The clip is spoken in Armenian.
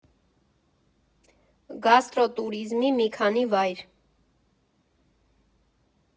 Գաստրո տուրիզմի մի քանի վայր։